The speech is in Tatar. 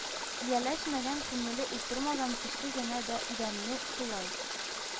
Ияләшмәгән, күңеле утырмаган кеше генә идәнне шулай